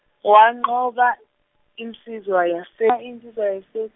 wanqoba insizwa yase insizwa yase.